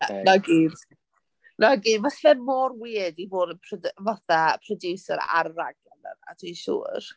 Yy 'na gyd, 'na gyd. Fyse mor weird i fod yn pry- fatha producer ar y raglen yna dwi'n siwr.